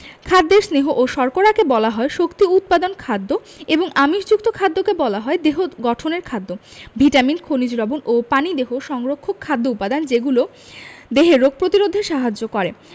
খাদ্যের স্নেহ এবং শর্করাকে বলা হয় শক্তি উৎপাদক খাদ্য এবং আমিষযুক্ত খাদ্যকে বলা হয় দেহ গঠনের খাদ্য ভিটামিন খনিজ লবন ও পানি দেহ সংরক্ষক খাদ্য উপাদান যেগুলো দেহের রোগ প্রতিরোধে সাহায্য করে